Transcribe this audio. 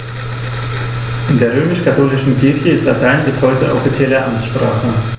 In der römisch-katholischen Kirche ist Latein bis heute offizielle Amtssprache.